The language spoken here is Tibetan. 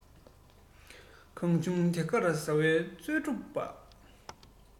གང བྱུང དེ གར ཟ བས རྩོལ སྒྲུབ སླ